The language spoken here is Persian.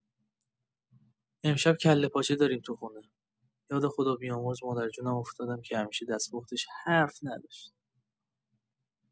امشب کله‌پاچه داریم تو خونه، یاد خدابیامرز مادر جونم افتادم که همیشه دست‌پختش حرف نداشت.